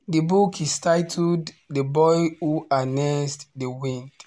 The book is titled The Boy who Harnessed the Wind.